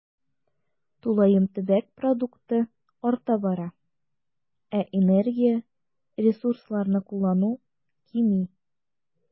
Тулаем төбәк продукты арта бара, ә энергия, ресурсларны куллану кими.